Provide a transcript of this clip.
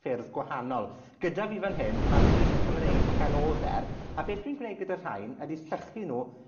ffyrdd gwahanol. Gyda fi fan hyn ma' pys Cymreig Llanofer, a beth dwi'n gwneud gyda'r rhain ydi sychu nw